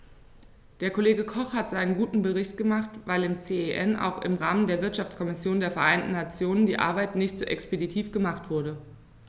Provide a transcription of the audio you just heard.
Der Kollege Koch hat seinen guten Bericht gemacht, weil im CEN und auch im Rahmen der Wirtschaftskommission der Vereinten Nationen die Arbeit nicht so expeditiv gemacht wurde.